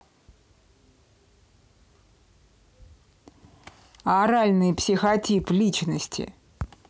оральный психотип личности